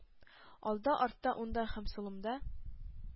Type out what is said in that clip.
Алда, артта, уңда һәм сулымда